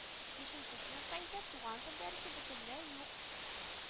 Бишенче сыйныфта исә туган тел дәресе бөтенләй юк